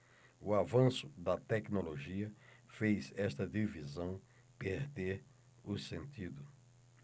o avanço da tecnologia fez esta divisão perder o sentido